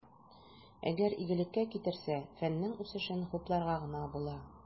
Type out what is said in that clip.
Әгәр игелеккә китерсә, фәннең үсешен хупларга гына була.